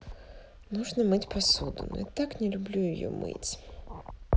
нужно мыть посуду но я так не люблю ее мыть